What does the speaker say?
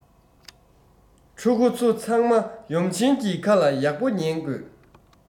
ཕྲུ གུ ཚོ ཚང མ ཡུམ ཆེན གྱི ཁ ལ ཡག པོ ཉན དགོས